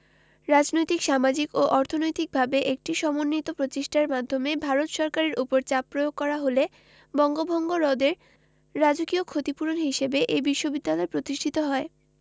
রাজনৈতিক সামাজিক ও অর্থনৈতিকভাবে একটি সমন্বিত প্রচেষ্টার মাধ্যমে ভারত সরকারের ওপর চাপ প্রয়োগ করা হলে বঙ্গভঙ্গ রদের রাজকীয় ক্ষতিপূরণ হিসেবে এ বিশ্ববিদ্যালয় প্রতিষ্ঠিত হয়